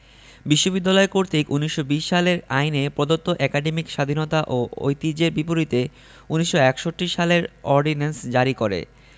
বিশ্ববিদ্যালয় কর্তৃপক্ষ ১৯২০ সালের আইনে প্রদত্ত একাডেমিক স্বাধীনতা ও ঐতিহ্যের বিপরীতে ১৯৬১ সালের অর্ডিন্যান্স জারি করে